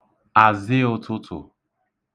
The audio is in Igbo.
àzịụ̄tụ̄tụ̀